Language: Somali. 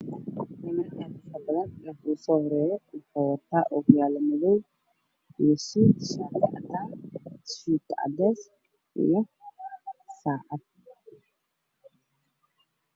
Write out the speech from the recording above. Niman aad ufara badan fadhiyaan meel midkood wuxuu wataa shaati cadaan midka kale soo blue computer ayaa horyaalo mid ayaan baa isticmaalayo